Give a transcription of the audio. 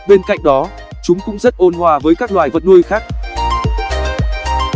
bên cạnh đó chúng cũng rất ôn hòa với các loài vật nuôi khác